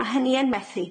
Ma' hynny yn methu.